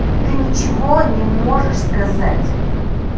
ты ничего не можешь сказать